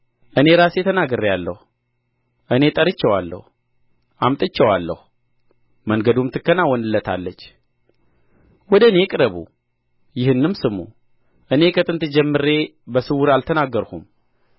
እኔ ራሴ ተናግሬአለሁ እኔ ጠርቼዋለሁ አምጥቼዋለሁ መንገዱም ትከናወንለታለች ወደ እኔ ቅረቡ ይህንም ስሙ እኔ ከጥንት ጀምሬ በስውር አልተናገርሁም